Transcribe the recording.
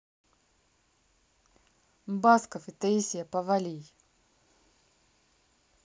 басков и таисия повалий